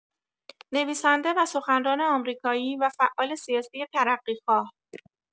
نویسنده و سخنران آمریکایی و فعال سیاسی ترقی‌خواه